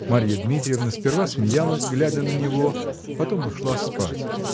Марья Дмитриевна сперва смеялась, глядя на него, потом ушла спать